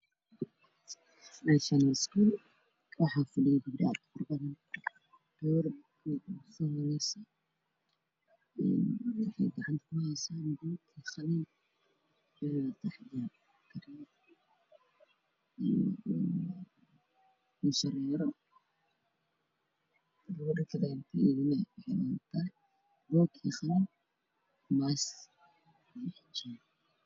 Meeshaan waxaa fadhiyaan sadex wiilal waxay wataan fanaanado iyo qamiisyo kala nooc ah